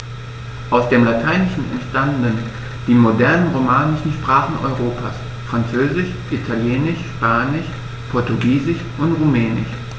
Aus dem Lateinischen entstanden die modernen „romanischen“ Sprachen Europas: Französisch, Italienisch, Spanisch, Portugiesisch und Rumänisch.